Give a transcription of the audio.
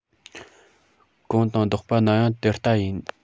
གོང དང ལྡོག པ ན ཡང དེ ལྟ ཡིན